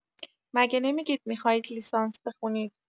مگه نمی‌گید میخواید لیسانس بخونید؟